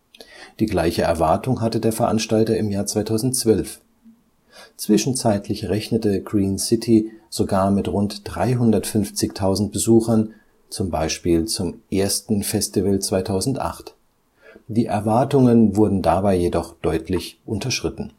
Die gleiche Erwartung hatte der Veranstalter im Jahr 2012. Zwischenzeitlich rechnete Green City sogar mit rund 350.000 Besuchern, zum Beispiel zum ersten Festival 2008. Die Erwartungen wurden dabei jedoch deutlich unterschritten